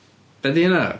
Be 'di hynna?